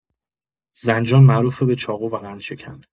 زنجان معروفه به چاقو و قندشکن.